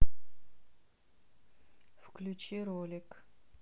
включи ролик